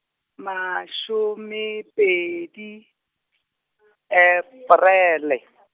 masome pedi, Aparele.